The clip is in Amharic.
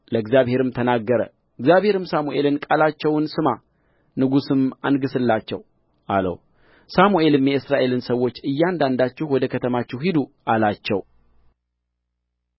ለእግዚአብሔርም ተናገረ እግዚአብሔርም ሳሙኤልን ቃላቸውን ስማ ንጉሥም አንግሥላቸው አለው ሳሙኤልም የእስራኤልን ሰዎች እያንዳንዳችሁ ወደ ከተማችሁ ሂዱ አላቸው